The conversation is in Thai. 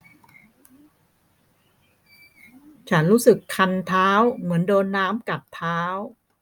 ฉันรู้สึกคันเท้าเหมือนโดนน้ำกัดเท้า